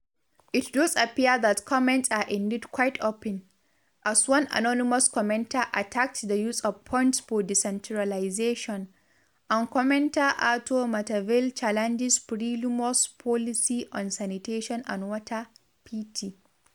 It does appear that comments are indeed quite open, as one anonymous commenter attacked the use of funds for decentralization, and commenter Artur Matavele challenges Frelimo's policy on sanitation and water [pt]